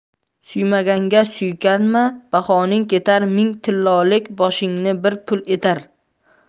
suymaganga suykanma bahong ketar ming tillolik boshingni bir pul etar